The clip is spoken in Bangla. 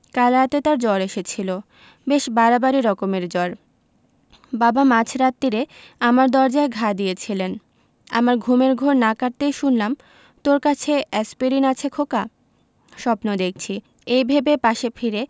কাল রাতে তার জ্বর এসেছিল বেশ বাড়াবাড়ি রকমের জ্বর বাবা মাঝ রাত্তিরে আমার দরজায় ঘা দিয়েছিলেন আমার ঘুমের ঘোর না কাটতেই শুনলাম তোর কাছে এ্যাসপিরিন আছে খোকা স্বপ্ন দেখছি এই ভেবে পাশে ফিরে